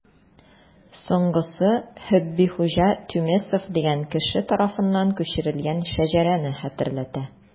Соңгысы Хөббихуҗа Тюмесев дигән кеше тарафыннан күчерелгән шәҗәрәне хәтерләтә.